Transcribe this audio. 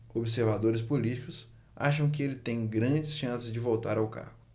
observadores políticos acham que ele tem grandes chances de voltar ao cargo